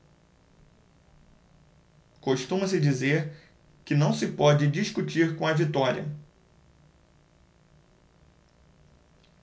costuma-se dizer que não se pode discutir com a vitória